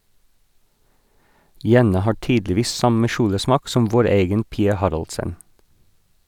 Jenna har tydeligvis samme kjolesmak som vår egen Pia Haraldsen.